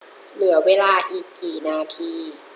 เหลือเวลาอีกกี่นาที